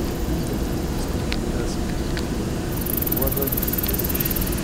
Umbenennung des Computers in Commodore Plus/4